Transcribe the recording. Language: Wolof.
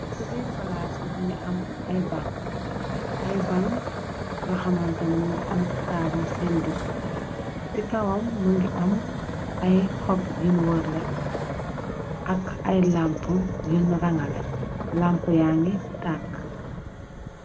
Place mungi am ai ban si kawam mungi am lampa yani takha.